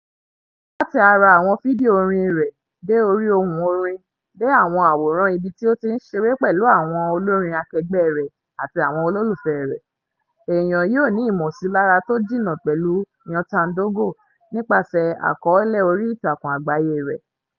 Láti ara àwọn fídíò orin rẹ̀ dé orí ohùn orin dé àwọn àwòrán ibi tí ó tí ń ṣeré pẹ̀lú àwọn olórin akẹgbẹ́ rẹ̀ àti àwọn olólùfẹ́ rẹ̀, èèyàn yóò ní ìmọ̀sílára tó jiná pẹ̀lú Nyota Ndogo nípasẹ̀ àkọ́ọ́lẹ̀ orí ìtàkùn àgbáyé rẹ̀.